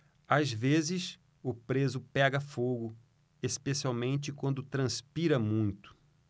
às vezes o preso pega fogo especialmente quando transpira muito